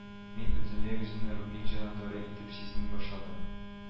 Мин бөтенләй үземне Рубин җанатары итеп сизми башладым